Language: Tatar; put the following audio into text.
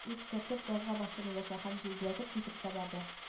Үткәртеп газга басты миләүшә һәм җилдереп китеп тә барды